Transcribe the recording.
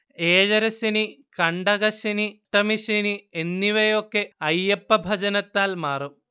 ഏഴരശ്ശനി, കണ്ടകശ്ശനി, അഷ്ടമിശനി എന്നിവയൊക്കെ അയ്യപ്പഭജനത്താൽ മാറും